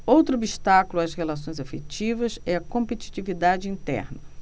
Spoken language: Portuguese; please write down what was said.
outro obstáculo às relações afetivas é a competitividade interna